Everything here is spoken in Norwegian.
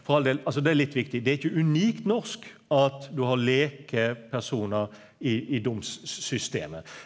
for all del altså det er litt viktig det er ikkje unikt norsk at du har lekpersonar i i domssystemet.